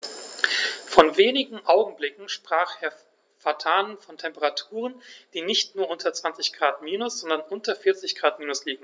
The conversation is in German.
Vor wenigen Augenblicken sprach Herr Vatanen von Temperaturen, die nicht nur unter 20 Grad minus, sondern unter 40 Grad minus liegen.